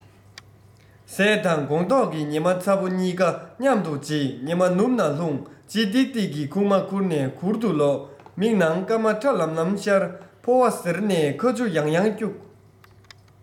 ཟས དང དགོང ཐོག གི ཉི མ ཚ བོ གཉིས ཀ མཉམ དུ བརྗེད ཉི མ ནུབ ན ལྷུང ལྗིད ཏིག ཏིག གི ཁུག མ ཁུར ནས གུར དུ ལོག མིག ནང སྐར མ ཁྲ ལམ ལམ ཤར ཕོ བ གཟེར ནས ཁ ཆུ ཡང ཡང བསྐྱུགས